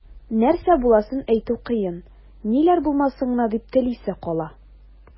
Нәрсә буласын әйтү кыен, ниләр булмасын гына дип телисе кала.